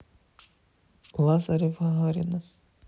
лазарев гагарина